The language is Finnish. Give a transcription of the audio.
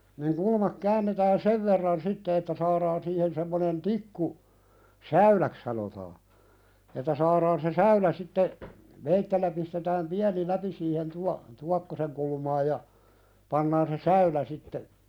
niin kulma käännetään sen verran sitten että saadaan siihen semmoinen tikku säyläksi sanotaan että saadaan se säylä sitten veitsellä pistetään pieni läpi siihen - tuokkosen kulmaan ja pannaan se säylä sitten